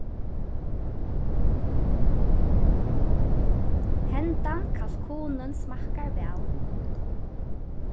hendan kalkunin smakkar væl